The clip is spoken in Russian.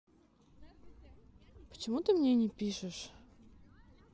почему ты мне не пишешь